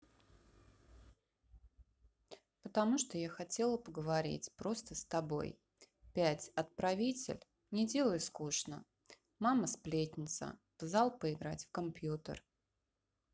потому что я хотела поговорить просто с тобой пять отправитель не делай скучно мама сплетница в зал поиграть в компьютер